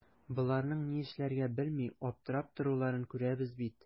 Боларның ни эшләргә белми аптырап торуларын күрәбез бит.